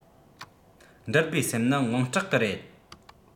འགྲུལ པའི སེམས ནི དངངས སྐྲག གི རེད